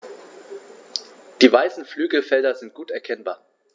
Die weißen Flügelfelder sind gut erkennbar.